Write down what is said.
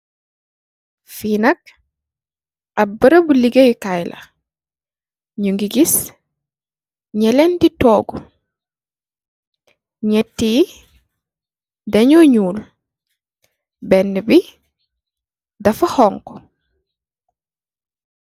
Fi nak ap berembi legaye kai la nyu gi giss neenti togu nyeeti de nyu nuul bena bi dafa xonxa.